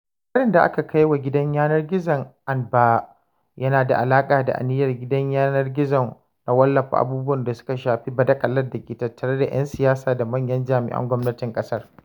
Harin da aka kai wa gidan yanar gizon Anbaa yana da alaƙa da aniyar gidan yanar gizon na wallafa abubuwan da suka shafi badaƙala da ke tattare da ‘yan siyasa da manyan jami’an gwamnati a ƙasar.